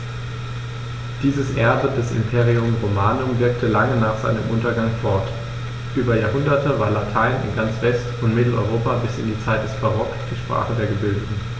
Dieses Erbe des Imperium Romanum wirkte lange nach seinem Untergang fort: Über Jahrhunderte war Latein in ganz West- und Mitteleuropa bis in die Zeit des Barock die Sprache der Gebildeten.